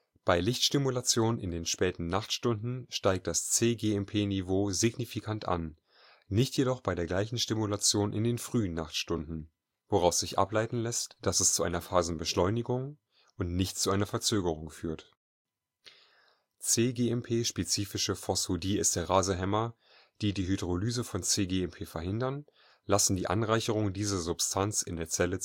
Bei Lichtstimulation in den späten Nachtstunden steigt das cGMP-Niveau signifikant an, nicht jedoch bei der gleichen Stimulation in den frühen Nachtstunden, woraus sich ableiten lässt, dass es zu einer Phasenbeschleunigung und nicht zu einer - verzögerung führt. cGMP-spezifische Phosphodiesterase-Hemmer, die die Hydrolyse von cGMP verhindern, lassen die Anreicherung dieser Substanz in der Zelle zu